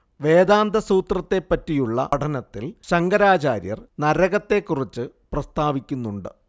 വേദാന്തസൂത്രത്തെപ്പറ്റിയുള്ള പഠനത്തിൽ ശങ്കരാചാര്യർ നരകത്തെക്കുറിച്ച് പ്രസ്താവിക്കുന്നുണ്ട്